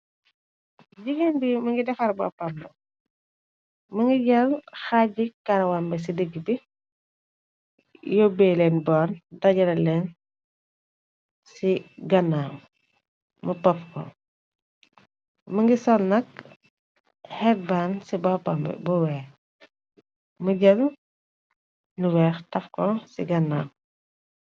Jigéen bi mi ngi defar boppambi mi ngi jal xaaji karawambe ci digg bi yóbbe leen boon dajara leen ci gànnaam mu pop ko mi ngi solnak xeetbaan ci boppamb bu wee më jal nu weex taf ko ci gannaaw.